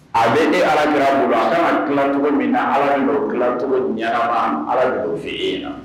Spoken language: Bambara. A bɛ ne ala yi bolo an ka kicogo min na ala yɔrɔ kicogo ɲɛ ala fɛ yen na